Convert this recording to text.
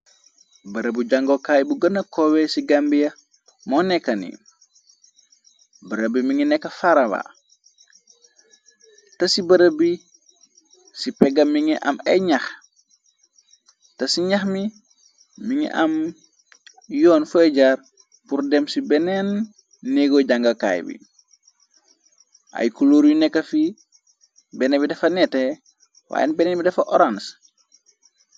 Barabu jàngokaay bu gëna koowe ci gambie moo nekkan i barab bi mi ngi nekk farawa te ci bërëb bi ci pegam mi ngi am ay ñax te ci ñax mi mi ngi am yoon feyjaar pur dem ci beneen neego jàngokaay bi ay kuluur yu nekkafi benn bi dafa neete waayyeen beneen bi dafa orange.